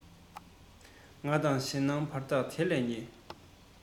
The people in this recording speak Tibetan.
ང དང ཞེ སྡང བར ཐག དེ ལས ཉེ